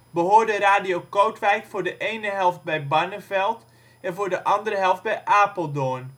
behoorde Radio Kootwijk voor de ene helft bij Barneveld en voor de andere helft bij Apeldoorn